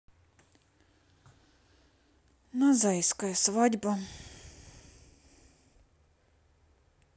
назайская свадьба